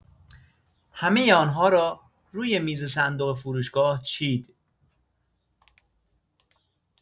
همه آن‌ها را روی میز صندوق فروشگاه چید.